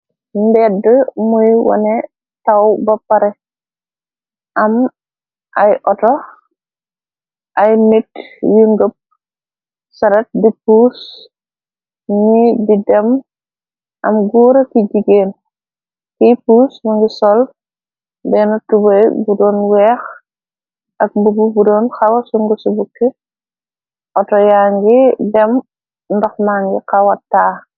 Mbede muy wane taw ba pare am ay oto ay nit yu ngëpp saret di puus ni di dem am guura ci jigéen kiy pus nu ngi sol benn tubey budoon weex ak mbubb budoon xawa sungu ci bukki auto ya ngi dem ndox ma ngi xawataa.